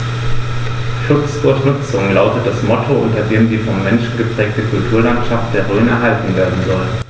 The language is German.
„Schutz durch Nutzung“ lautet das Motto, unter dem die vom Menschen geprägte Kulturlandschaft der Rhön erhalten werden soll.